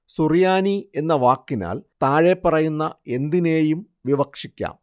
സുറിയാനി എന്ന വാക്കിനാല് താഴെപ്പറയുന്ന എന്തിനേയും വിവക്ഷിക്കാം